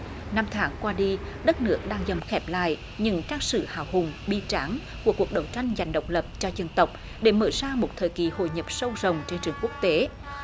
năm tháng qua đi đất nước đang dần khép lại những trang sử hào hùng bi tráng của cuộc đấu tranh giành độc lập cho dân tộc để mở ra một thời kỳ hội nhập sâu rộng trên trường quốc tế